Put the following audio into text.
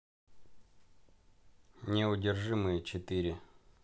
неудержимые четыре